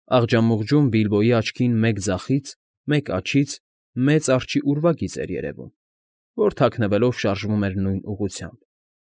Աղջամուղջում Բիլբոյի աչքին մեկ ձախից, մեկ աջից մեծ արջի ուրվագիծ էր երևում, որ թաքնվելով շարժվում էր նույն ուղղությամբ։